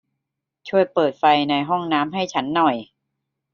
ช่วยเปิดไฟในห้องน้ำให้ฉันหน่อย